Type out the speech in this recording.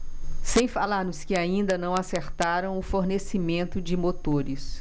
sem falar nos que ainda não acertaram o fornecimento de motores